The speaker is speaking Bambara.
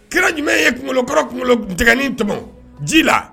Kira jumɛn ye kunkolokɔrɔ kunkolotigɛ nin tɔmɔ ji la